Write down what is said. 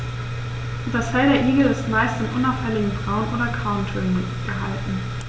Das Fell der Igel ist meist in unauffälligen Braun- oder Grautönen gehalten.